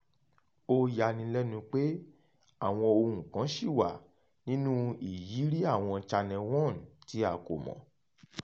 Ó yani lẹ́nu pé àwọn ohun kan ṣì wà nínú ìyírí àwọn Channel One tí a kò mọ̀.